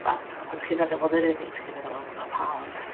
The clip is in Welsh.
Wel, dach chibod. pan ydych chi'n feddwl am Eryri, dach chi'n meddwl am y copaon.